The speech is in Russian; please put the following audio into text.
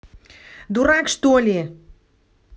дурак что ли